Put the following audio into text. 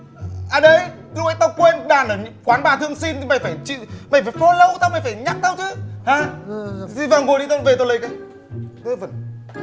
à đây lúc đấy tao quên đàn ở quán bà thương sin thì mày phải chịu mày phải pho lâu tao mày phải nhắc tao chứ hả đi vào ngồi đi tao về tao lấy cái vớ vẩn